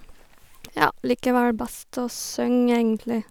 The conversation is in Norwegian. Ja, liker vel best å søng, egentlig.